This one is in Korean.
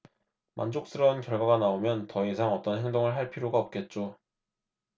만족스러운 결과가 나오면 더 이상 어떤 행동을 할 필요가 없겠죠